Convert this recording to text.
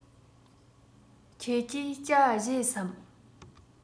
ཁྱེད ཀྱིས ཇ བཞེས སམ